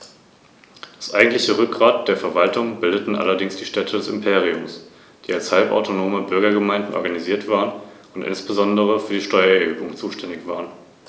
Nach dem Fall Saguntums und der Weigerung der Regierung in Karthago, Hannibal auszuliefern, folgte die römische Kriegserklärung.